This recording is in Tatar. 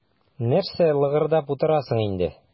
Нәрсә лыгырдап утырасың инде.